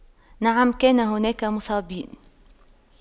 نعم كان هناك مصابين